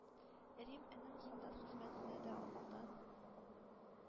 Рим энем солдат хезмәтенә дә авылдан,